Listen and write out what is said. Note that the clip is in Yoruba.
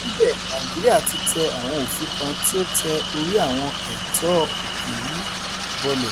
Síbẹ̀, Nàìjíríà tí tẹ àwọn òfin kan tí ó tẹ orí àwọn ẹ̀tọ́ òkè yìí bọlẹ̀.